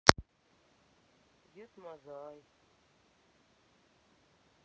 дед мазай